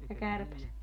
ja kärpäset